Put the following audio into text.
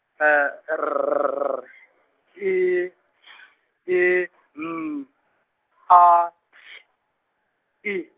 R I S I M A S I.